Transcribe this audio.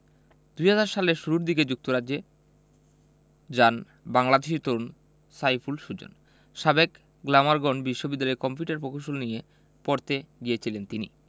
২০০০ সালের শুরু দিকে যুক্তরাজ্যে যান বাংলাদেশি তরুণ সাইফুল সুজন সাবেক গ্লামারগন বিশ্ববিদ্যালয়ে কম্পিউটার প্রকৌশল নিয়ে পড়তে গিয়েছিলেন তিনি